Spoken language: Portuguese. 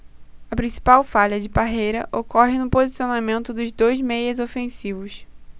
a principal falha de parreira ocorre no posicionamento dos dois meias ofensivos